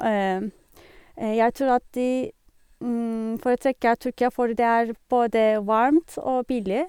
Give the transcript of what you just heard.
Jeg tror at de foretrekker Tyrkia for det er både varmt og billig.